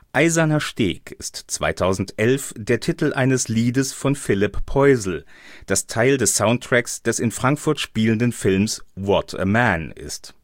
Eiserner Steg (2011) ist der Titel eines Liedes von Philipp Poisel, das Teil des Soundtracks des in Frankfurt spielenden Films What a Man (Film) ist